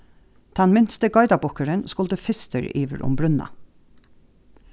tann minsti geitarbukkurin skuldi fyrstur yvir um brúnna